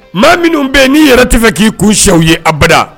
Maa minnu bɛ n'i yɛrɛ tɛ fɛ k'i kun siw ye abada